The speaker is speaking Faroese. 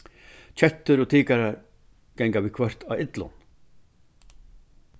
kettur og tikarar ganga viðhvørt á illum